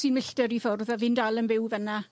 ...tri milltir i ffwrdd a fi'n dal yn byw fyna.